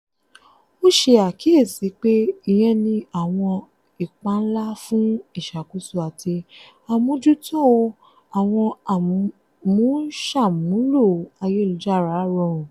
Ó ṣe àkíyèsí pé, "Ìyẹn ní àwọn ipa ńlá fún ìṣàkóso àti àmójútó àwọn amúṣàmúlò ayélujára rọrùn."